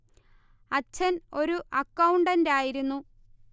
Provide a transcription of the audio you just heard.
അച്ഛൻ ഒരു അക്കൗണ്ടന്റായിരുന്നു